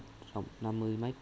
rộng năm mươi mét